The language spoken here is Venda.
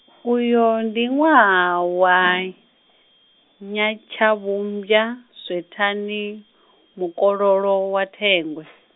uyu ndi ṅwaha wa, Nyatshavhumbwa, Swethani, mukololo, wa Thengwe.